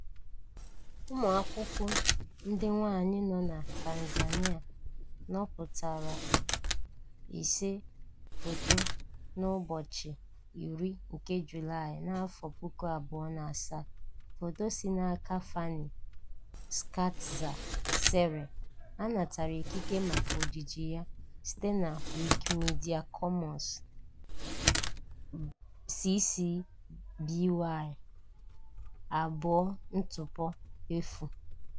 Ụmụakwụkwọ ndị nwaanyị nọ na Tanzania nọpụtara ise foto n'ụbọchị 10 nke Julaị, 2007. Foto si n'aka Fanny Schertzer sere, a natara ikike maka ojiji ya site na Wikimedia Commons, CC BY 2.0.